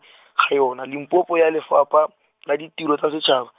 ga yona Limpopo ya Lefapha, la Ditiro tsa Setshaba.